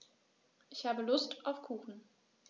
Ich habe Lust auf Kuchen.